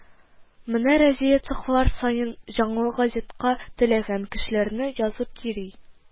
Менә Разия цехлар саен җанлы газетка теләгән кешеләрне язып йөри